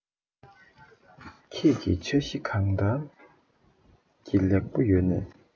ཁྱེད ཀྱི ཆ ཞི གང ལྟར གྱི ལེགས པོ ཡོད ནས